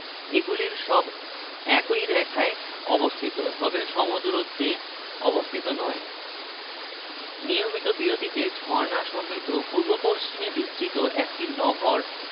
এগুলির সব একই রেখায় অবস্থিত তবে সম দূরত্বে অবস্থিত নয় নিয়মিত বিরতিতে ঝর্ণা সমৃদ্ধ পূর্ব পশ্চিমে বিস্তৃত একটি নহর